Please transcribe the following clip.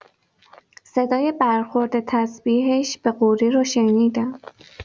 صدای برخورد تسبیحش به قوری رو شنیدم.